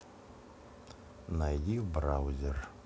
найди в браузер